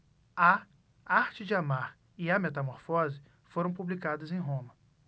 a arte de amar e a metamorfose foram publicadas em roma